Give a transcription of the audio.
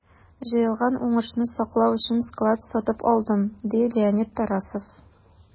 Җыелган уңышны саклау өчен склад сатып алдым, - ди Леонид Тарасов.